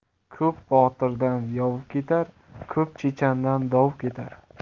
ko'p botirdan yov ketar ko'p chechandan dov ketar